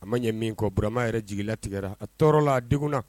A ma ɲɛ min kɔ burama yɛrɛ jigin latigɛra a tɔɔrɔ lad na